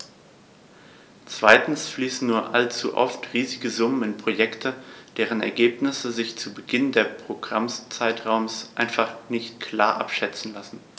Zweitens fließen nur allzu oft riesige Summen in Projekte, deren Ergebnisse sich zu Beginn des Programmzeitraums einfach noch nicht klar abschätzen lassen.